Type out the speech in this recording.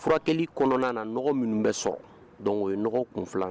Furakɛli kɔnɔna naɔgɔ minnu bɛ sɔrɔ don ye kun wolonwula